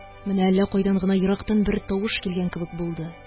Менә әллә кайдан гына ерактан бер тавыш килгән кебек булды.